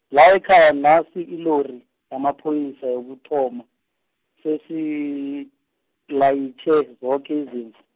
la ekhaya nasi ilori, yamapholisa yokuthoma, seyilayitjhe, zoke izimvu.